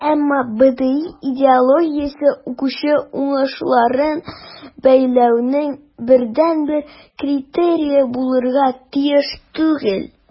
Әмма БДИ идеологиясе укучы уңышларын бәяләүнең бердәнбер критерие булырга тиеш түгел.